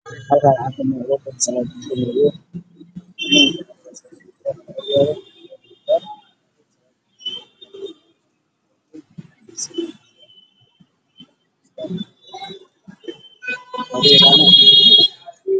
Waa masaajid waxaa joogo niman tukanaayo